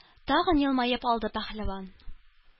Тагын елмаеп алды пәһлеван.